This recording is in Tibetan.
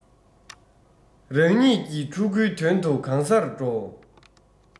རང ཉིད ཀྱི ཕྲུ གུའི དོན དུ གང སར འགྲོ